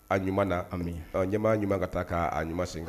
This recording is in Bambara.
A ɲuman na ɲɛ ɲuman ka taa k'a ɲuman sen kan